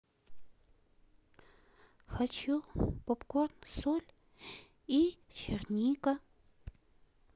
хочу попкорн соль и черника